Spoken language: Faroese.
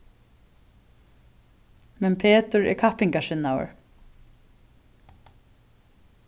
men petur er kappingarsinnaður